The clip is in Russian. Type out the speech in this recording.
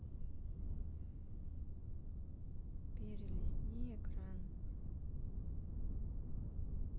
перелистни экран